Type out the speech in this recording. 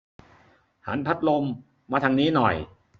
หันพัดลมมาทางนี้หน่อย